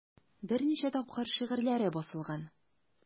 Берничә тапкыр шигырьләре басылган.